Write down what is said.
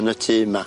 Yn y tŷ yma.